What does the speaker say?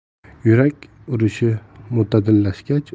yurak urishi mo'tadillashgach ozgina